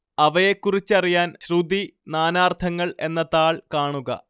അവയെക്കുറിച്ചറിയാൻ ശ്രുതി നാനാർത്ഥങ്ങൾ എന്ന താൾ കാണുക